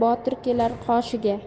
botir kelar qoshiga